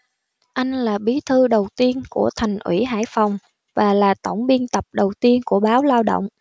anh là bí thư đầu tiên của thành ủy hải phòng và là tổng biên tập đầu tiên của báo lao động